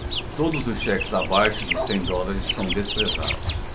todos os cheques abaixo de cem dólares são desprezados